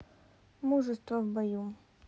мужество в бою